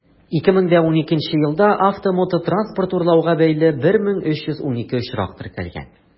2012 елда автомототранспорт урлауга бәйле 1312 очрак теркәлгән.